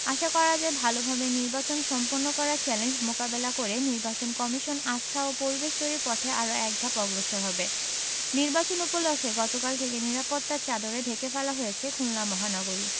আশা করা যায় ভালোভাবে নির্বাচন সম্পন্ন করার চ্যালেঞ্জ মোকাবেলা করে নির্বাচন কমিশন আস্থা ও পরিবেশ তৈরির পথে আরো একধাপ অগ্রসর হবে নির্বাচন উপলক্ষে গতকাল থেকে নিরাপত্তার চাদরে ঢেকে ফেলা হয়েছে খুলনা মহানগরী